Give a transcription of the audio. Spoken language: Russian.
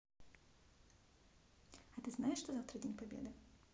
а ты знаешь что завтра день победы